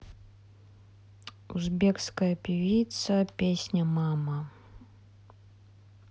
узбекская певица песня мама